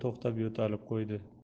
to'xtab yo'talib qo'ydi